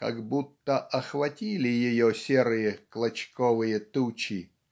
как будто охватили ее серые клочковые тучи.